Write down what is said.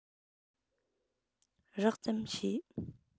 རགས ཙམ ཤེས